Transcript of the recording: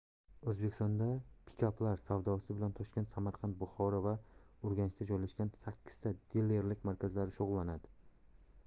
o'zbekistonda pikaplar savdosi bilan toshkent samarqand buxoro va urganchda joylashgan sakkizta dilerlik markazlari shug'ullanadi